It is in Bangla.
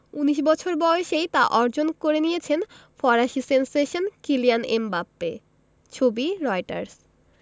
১৯ বছর বয়সেই তা অর্জন করে নিয়েছেন ফরাসি সেনসেশন কিলিয়ান এমবাপ্পে ছবি রয়টার্স